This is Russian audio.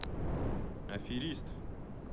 аферист